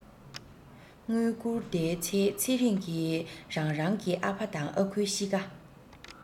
དངུལ བསྐུར དེའི ཚེ ཚེ རིང གི རང རང གི ཨ ཕ དང ཨ ཁུའི གཤིས ཀ